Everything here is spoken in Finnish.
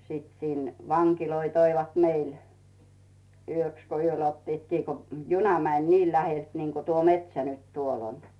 sitten sinne vankeja toivat meille yöksi kun yöllä ottivat kiinni kun juna meni niin läheltä niin kuin tuo metsä nyt tuolla on